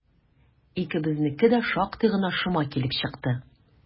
Икебезнеке дә шактый гына шома килеп чыкты.